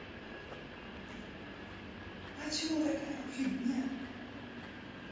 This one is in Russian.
почему такая фигня